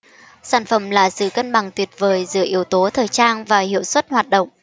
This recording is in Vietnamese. sản phẩm là sự cân bằng tuyệt vời giữa yếu tố thời trang và hiệu suất hoạt động